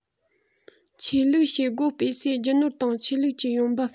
ཆོས ལུགས བྱེད སྒོ སྤེལ སའི རྒྱུ ནོར དང ཆོས ལུགས ཀྱི ཡོང འབབ